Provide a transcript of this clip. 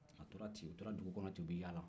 u tora ten u tora dugukɔnɔ ten o bɛ yala